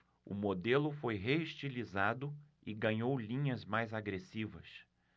o modelo foi reestilizado e ganhou linhas mais agressivas